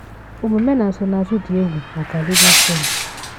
Omume na nsonaazụ dị egwu maka Livingston.